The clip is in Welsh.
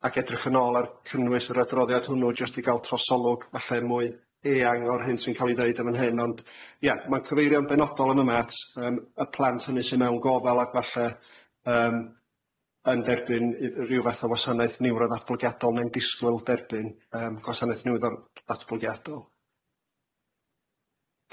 ag edrych yn ôl ar cynnwys yr adroddiad hwnnw jyst i ga'l trosolwg falle mwy eang o'r hyn sy'n ca'l ei ddeud yn fan hyn ond ia ma'n cyfeirio'n benodol yma at yym y plant hynny sy' mewn gofal ag falle yym yn derbyn yy ryw fath o wasanaeth niwro-ddatblygiadol ne'n disgwyl derbyn yym gwasanaeth niwro-ddatblygiadol.